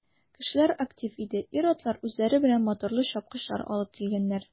Кешеләр актив иде, ир-атлар үзләре белән моторлы чапкычлар алыпн килгәннәр.